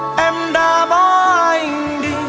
đã bỏ anh đi